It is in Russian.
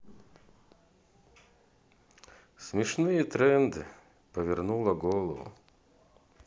смешные тренды повернула голову